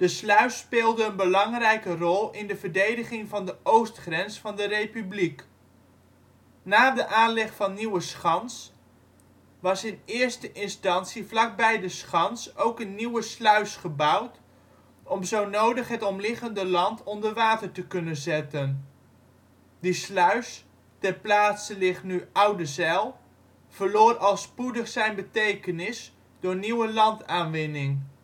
sluis speelde een belangrijke rol in de verdediging van de oostgrens van de Republiek. Na de aanleg van Nieuweschans was in eerste instantie vlak bij de schans ook een nieuwe sluis gebouwd om zo nodig het omliggende land onder water te kunnen zetten. Die sluis (ter plaatse ligt nu Oudezijl, verloor al spoedig zijn betekenis door nieuwe landaanwinning